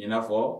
Infɔ